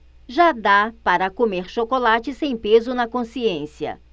já dá para comer chocolate sem peso na consciência